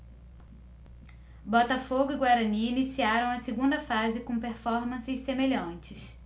botafogo e guarani iniciaram a segunda fase com performances semelhantes